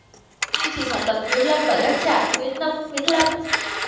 duy trì hoạt động khuyến lâm bởi các trạm khuyến nông khuyến lâm